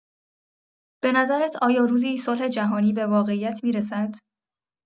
به نظرت آیا روزی صلح جهانی به واقعیت می‌رسد؟